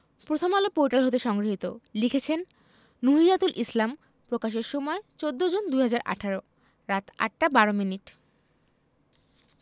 Prothom Alo portal হতে সংগৃহীত লিখেছেন নুহিয়াতুল ইসলাম প্রকাশের সময় ১৪জুন ২০১৮ রাত ৮টা ১২ মিনিট